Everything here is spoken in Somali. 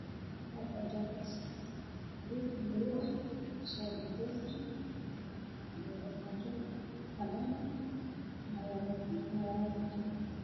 Waa shaati midabkiisii yahay caddaan oo suran